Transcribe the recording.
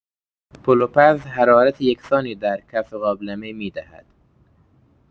پلوپز حرارت یکسانی در کف قابلمه می‌دهد.